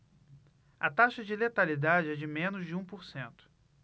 a taxa de letalidade é de menos de um por cento